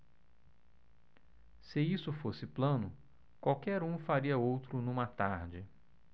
se isso fosse plano qualquer um faria outro numa tarde